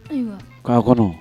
Ayiwa k'a kɔnɔ